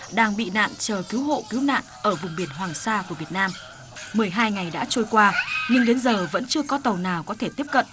đang bị nạn chờ cứu hộ cứu nạn ở vùng biển hoàng sa của việt nam mười hai ngày đã trôi qua nhưng đến giờ vẫn chưa có tàu nào có thể tiếp cận